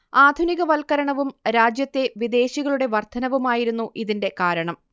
ആധുനികവൽക്കരണവും രാജ്യത്തെ വിദേശികളുടെ വർദ്ധനവുമായിരുന്നു ഇതിന്റെ കാരണം